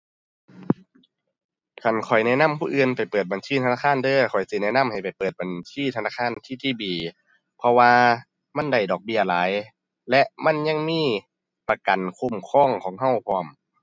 คันข้อยแนะนำผู้อื่นไปเปิดบัญชีธนาคารเด้อ ข้อยสิแนะนำให้ไปเปิดบัญชีธนาคาร ttb เพราะว่ามันได้ดอกเบี้ยหลายและมันยังมีประกันคุ้มครองของเราพร้อม